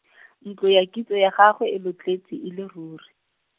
ntlo ya kitso ya gagwe e lotletswe e le rure.